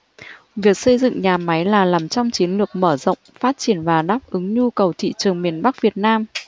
việc xây dựng nhà máy là nằm trong chiến lược mở rộng phát triển và đáp ứng nhu cầu thị trường miền bắc việt nam